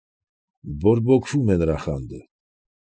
Բորբոքվում է նրա խանդը։